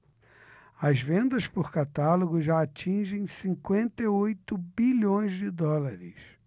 as vendas por catálogo já atingem cinquenta e oito bilhões de dólares